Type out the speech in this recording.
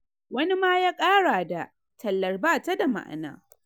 wani ma ya kara da: “Tallar bata da ma’ana.”